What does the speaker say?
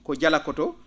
ko jalakotoo